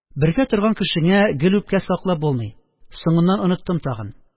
Бергә торган кешеңә гел үпкә саклап булмый, соңыннан оныттым тагын